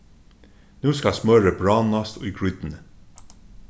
nú skal smørið bráðnast í grýtuni